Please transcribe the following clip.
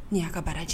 N y'a ka barajɛ